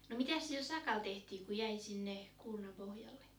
no mitäs sillä sakalla tehtiin kun jäi sinne kuurnan pohjalle